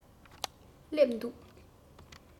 སླེབས འདུག